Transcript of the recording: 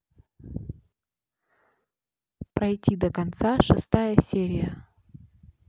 пройти до конца шестая серия